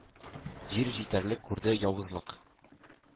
Җир җитәрлек күрде «явызлык».